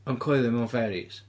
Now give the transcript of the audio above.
yn coelio mewn fairies.